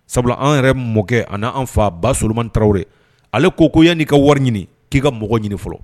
Sabula an yɛrɛ mɔkɛ ani an fa ba Solomani tarawele. Ale ko ko yani i ka wari ɲini ki ka mɔgɔ ɲini fɔlɔ.